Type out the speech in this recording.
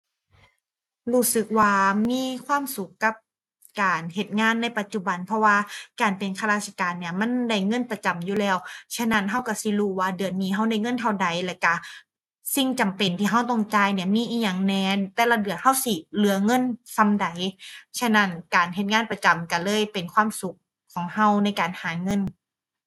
รู้สึกว่ามีความสุขกับการเฮ็ดงานในปัจจุบัน เพราะว่าการเป็นข้าราชการเนี่ยมันได้เงินประจำอยู่แล้ว ฉะนั้นเราเราสิรู้ว่าเดือนนี้เราได้เงินเท่าใด แล้วเราสิ่งจำเป็นที่เราต้องจ่ายเนี่ย มีอิหยังแหน่ แต่ละเดือนเราสิเหลือเงินส่ำใด ฉะนั้นการเฮ็ดงานประจำเราเลยเป็นความสุขของเราในการหาเงิน